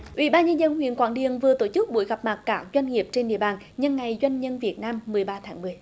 ủy ban nhân dân huyện quảng điền vừa tổ chức buổi gặp mặt các doanh nghiệp trên địa bàn nhân ngày doanh nhân việt nam mười ba tháng mười